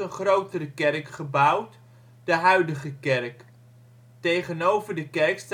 grotere kerk gebouwd, de huidige kerk. Tegenover de kerk